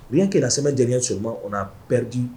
U ye kiranasɛmɛjɛ soma o na pji